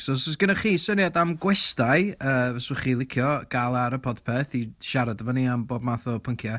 So os oes gennoch chi syniad am gwestai, yy, fyswch chi licio gael ar y Podpeth i siarad efo ni am bob math o pynciau.